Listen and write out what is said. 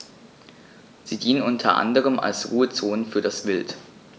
Sie dienen unter anderem als Ruhezonen für das Wild.